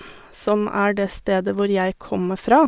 Som er det stedet hvor jeg kommer fra.